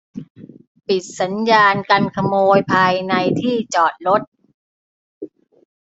ปิดสัญญาณกันขโมยภายในที่จอดรถ